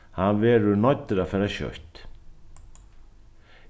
hann verður noyddur at fara skjótt